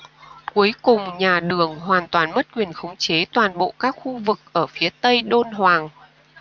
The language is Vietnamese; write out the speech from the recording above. cuối cùng nhà đường hoàn toàn mất quyền khống chế toàn bộ các khu vực ở phía tây đôn hoàng